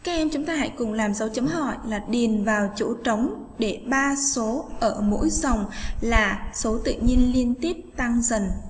chúng ta hãy cùng làm dấu chấm hỏi là điền vào chỗ trống để ba số ở mỗi dòng số tự nhiên liên tiếp tăng dần